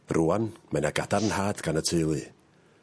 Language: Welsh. Rŵan mae 'na gadarnhad gan y teulu